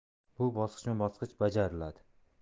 bu bosqichma bosqich bajariladi